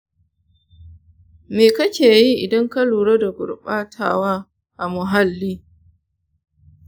me kake yi idan ka lura da gurɓatawa a muhalli